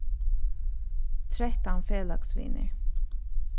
trettan felagsvinir